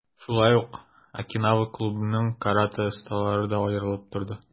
Шулай ук, "Окинава" клубының каратэ осталары да аерылып торды.